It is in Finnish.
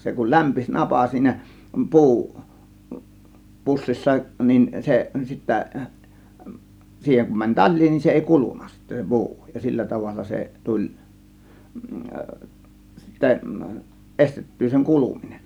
se kun lämpeni napa siinä puu pussissa niin se sitten siihen kun meni talia niin se ei kulunut sitten puu ja sillä tavalla se tuli sitten estettyä sen kuluminen